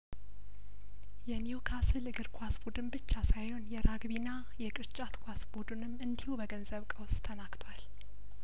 የኒውካስል እግር ኳስ ቡድን ብቻ ሳይሆን የራ ግቢና የቅርጫት ኳስ ቡድኑም እንዲሁ በገንዘብ ቀውስ ተናግቷል